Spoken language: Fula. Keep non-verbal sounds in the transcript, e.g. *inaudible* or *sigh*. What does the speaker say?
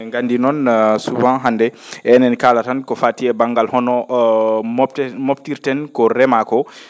En nganndii noon souvent hannde enen kaala ran ko faati e banngal honoo mobte mobtirten ko remaa ko *breath*